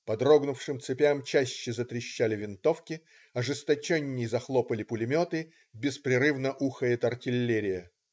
По дрогнувшим цепям чаще затрещали винтовки, ожесточенней захлопали пулеметы, беспрерывно ухает артиллерия.